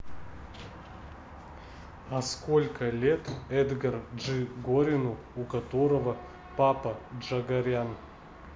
а сколько лет эдгар j горину у которого папа джагарян